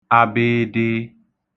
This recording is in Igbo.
abịịdịị